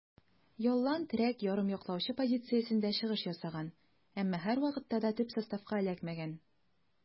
Ялланн терәк ярым яклаучы позициясендә чыгыш ясаган, әмма һәрвакытта да төп составка эләкмәгән.